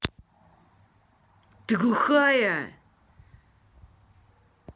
ты глухая